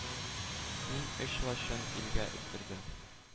Мин өч лачын илгә үстердем.